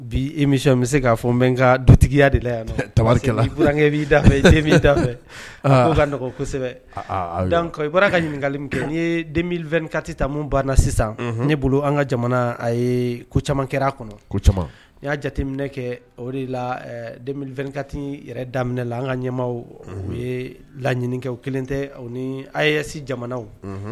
Bi i miy bɛ se k'a fɔ n bɛ n ka dutigiya de la yan tarikɛ da dafɛ' ka nɔgɔkɔ kosɛbɛ i bɔra ka ɲininkakali min kɛ n'i ye den2ti tamu banna sisan ne bolo an ka jamana a ye ku caman kɛra kɔnɔ caman n'i y'a jateminɛ kɛ o de la2kati yɛrɛ daminɛ la an ka ɲɛma u ye laɲinikɛ kelen tɛ ni asi jamanaw